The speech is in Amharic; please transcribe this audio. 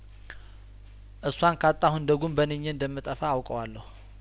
እሷን ካጣሁ እንደጉም በን ኜ እንደም ጠፋ አውቀ ዋለሁ